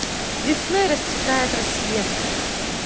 весной расцветает рассвет